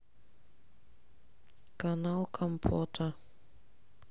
канал компота